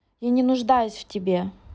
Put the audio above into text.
я не нуждаюсь в тебе